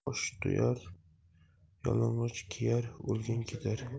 och to'yar yalang'och kiyar o'lgan ketar